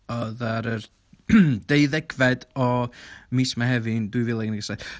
Oedd ar yr deuddegfed o mis Mehefin dwy fil ac un deg saith .